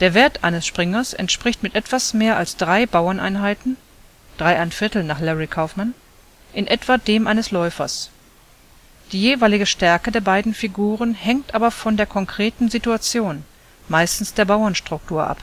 Wert eines Springers entspricht mit etwas mehr als drei Bauerneinheiten (3¼ nach Larry Kaufman) in etwa dem eines Läufers. Die jeweilige Stärke der beiden Figuren hängt aber von der konkreten Situation, meistens der Bauernstruktur